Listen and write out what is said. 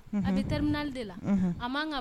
A bɛri